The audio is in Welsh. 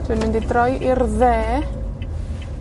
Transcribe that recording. Dwi'n mynd i droi i'r dde.